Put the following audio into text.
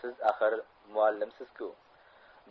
siz axir muallimsizku